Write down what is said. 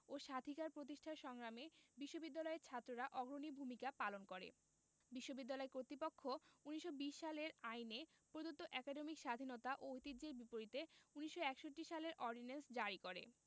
ও স্বাধিকার প্রতিষ্ঠার সংগ্রামে বিশ্ববিদ্যালয়ের ছাত্ররা অগ্রণী ভূমিকা পালন করে বিশ্ববিদ্যালয় কর্তৃপক্ষ ১৯২০ সালের আইনে প্রদত্ত একাডেমিক স্বাধীনতা ও ঐতিহ্যের বিপরীতে ১৯৬১ সালের অর্ডিন্যান্স জারি করে